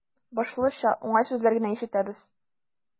Башлыча, уңай сүзләр генә ишетәбез.